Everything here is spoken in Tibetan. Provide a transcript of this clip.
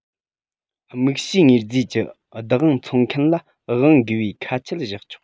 དམིགས བྱའི དངོས རྫས ཀྱི བདག དབང འཚོང མཁན ལ དབང དགོས པའི ཁ ཆད བཞག ཆོག